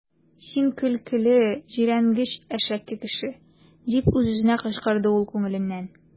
Син көлкеле, җирәнгеч, әшәке кеше! - дип үз-үзенә кычкырды ул күңеленнән.